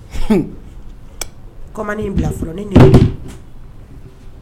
Kɔman in bila fɔlɔ ni ne